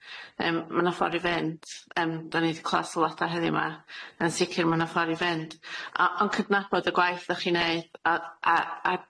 Yym ma' 'na ffor i fynd. Yym 'dan ni 'di clwa' sylwada heddiw 'ma. Yn sicir ma' 'na ffor i fynd, a- on' cydnabod y gwaith 'dach chi'n neud a a a